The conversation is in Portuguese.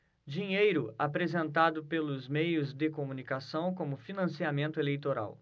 dinheiro apresentado pelos meios de comunicação como financiamento eleitoral